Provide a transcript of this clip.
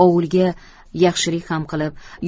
ovulga yaxshilik ham qilib